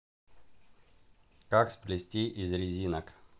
как сплести из резинок